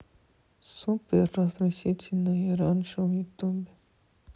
супер разрушительное ранчо в ютубе